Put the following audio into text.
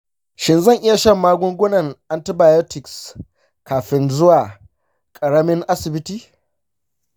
shin zan iya shan magungunan antibiotics kafin zuwa ƙaramin asibiti?